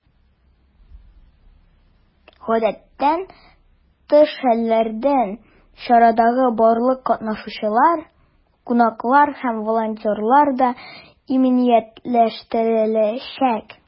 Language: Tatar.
Гадәттән тыш хәлләрдән чарадагы барлык катнашучылар, кунаклар һәм волонтерлар да иминиятләштереләчәк.